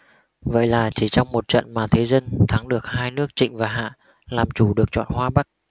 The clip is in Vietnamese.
vậy là chỉ trong một trận mà thế dân thắng được hai nước trịnh và hạ làm chủ được trọn hoa bắc